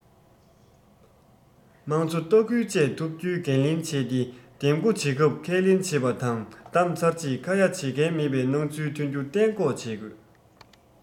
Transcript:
དམངས གཙོ ལྟ སྐུལ བཅས ཐུབ རྒྱུའི འགན ལེན བྱས ཏེ འདེམས བསྐོ བྱེད སྐབས ཁས ལེན བྱེད པ དང བདམས ཚར རྗེས ཁ ཡ བྱེད མཁན མེད པའི སྣང ཚུལ ཐོན རྒྱུ གཏན འགོག བྱེད དགོས